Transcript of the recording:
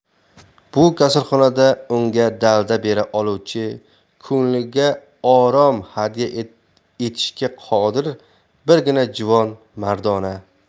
bu kasalxonada unga dalda bera oluvchi ko'ngilga orom hadya etishga qodir birgina juvon mardona